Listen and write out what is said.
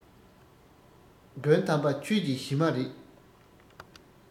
མགོན དམ པ ཆོས ཀྱི གཞི མ རེད